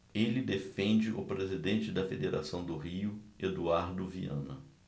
ele defende o presidente da federação do rio eduardo viana